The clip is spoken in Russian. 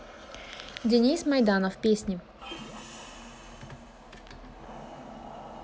денис майданов песни